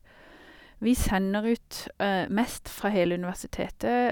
Vi sender ut mest fra hele universitetet.